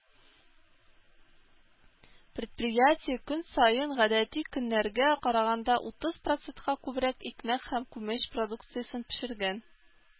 Предприятие көн саен, гадәти көннәргә караганда, утыз процентка күбрәк икмәк һәм күмәч продукциясен пешергән.